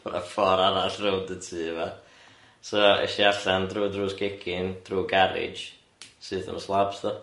bo 'na ffor arall rownd y tŷ 'ma so es i allan drw drws gegin drw garage syth yn y slabs 'de.